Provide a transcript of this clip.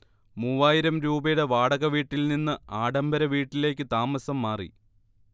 മൂവായിരം രൂപയുടെ വാടകവീട്ടിൽ നിന്ന് ആഢംബര വീട്ടിലേക്ക് താമസം മാറി